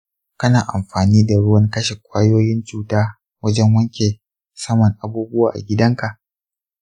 kana amfani da ruwan kashe kwayoyin cuta wajen wanke saman abubuwa a gidanka?